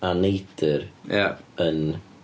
A neidr... Ia. ...Yn...